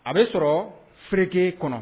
A bɛ sɔrɔ fke kɔnɔ